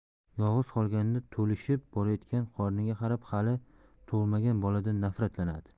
yolg'iz qolganida to'lishib borayotgan qorniga qarab hali tug'ilmagan boladan nafratlanadi